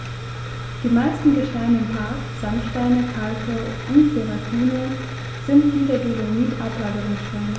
Die meisten Gesteine im Park – Sandsteine, Kalke und Verrucano – sind wie der Dolomit Ablagerungsgesteine.